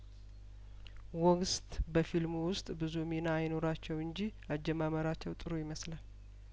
ቮ ግስት በፊልሙ ውስጥ ብዙ ሚና አይኑራቸው እንጂ አጀማመራቸው ጥሩ ይመስላል